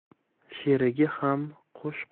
sherigi ham qo'sh